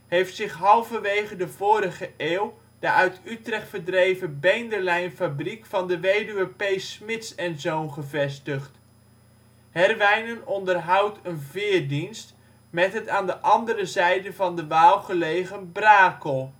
heeft zich halverwege de vorige eeuw de uit Utrecht verdreven beenderlijmfabriek van de Wed. P. Smits & Zoon gevestigd. Herwijnen onderhoudt een veerdienst met het aan de andere zijde van de Waal gelegen Brakel